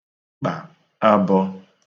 kpà abọ̄